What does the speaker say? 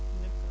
d' accord